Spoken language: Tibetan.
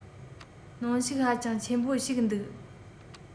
གནོན ཤུགས ཧ ཅང ཆེན པོ ཞིག འདུག